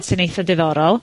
...sy'n eitha diddorol.